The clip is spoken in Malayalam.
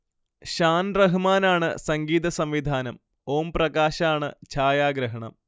ഷാൻ റഹ്മാനാണ് സംഗീതസംവിധാനം, ഓം പ്രകാശാണ് ഛായാഗ്രഹണം